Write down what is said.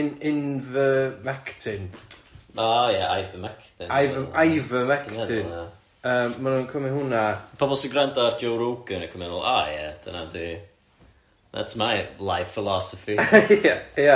Invermectin... O ia ivermectin ...ivermectin yym maen nhw'n cymryd hwnna... Pobol sy'n gwrando ar Joe Rogan ac yn meddwl o ia dyna yndi, that's my life philosophy! Ia ia!